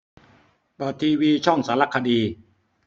เปิดทีวีช่องสารคดี